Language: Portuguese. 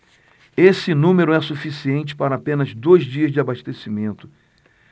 esse número é suficiente para apenas dois dias de abastecimento